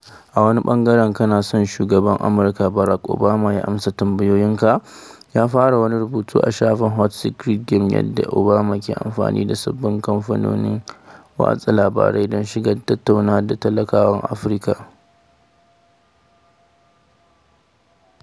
A wani bangaran, kana son shugaban Amurka, Barack Obama ya amsa tambayoyinka?,” ya fara wani rubutu a shafin Hot Secrets game da yadda Obama ke amfani da sabbin kafofin watsa labarai don shiga tattaunawa da talakawan Afirka.